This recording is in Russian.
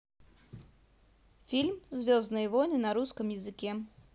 фильм звездные войны на русском языке